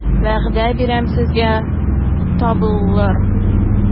Вәгъдә бирәм сезгә, табылыр...